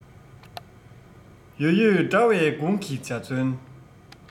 ཡོད ཡོད འདྲ བའི དགུང གི འཇའ ཚོན